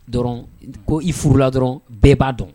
Dɔrɔn, ko i furula dɔrɔn, bɛɛ b'a dɔn